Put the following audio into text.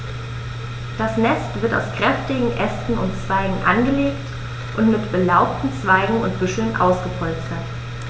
Das Nest wird aus kräftigen Ästen und Zweigen angelegt und mit belaubten Zweigen und Büscheln ausgepolstert.